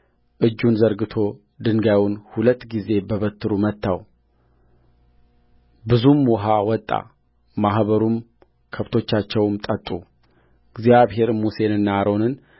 እጁን ዘርግቶ ድንጋዩን ሁለት ጊዜ በበትሩ መታው ብዙም ውኃ ወጣ ማኅበሩም ከብቶቻቸውም ጠጡእግዚአብሔርም ሙሴንና አሮንን